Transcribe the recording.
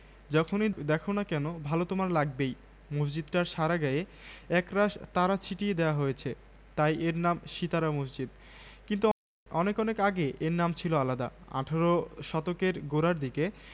যখনি দ্যাখো না কেন ভালো তোমার লাগবেই মসজিদটার সারা গায়ে একরাশ তারা ছিটিয়ে দেয়া হয়েছে তাই এর নাম সিতারা মসজিদ কিন্তু অনেক অনেক আগে এর নাম ছিল আলাদা আঠারো শতকের গোড়ার দিকে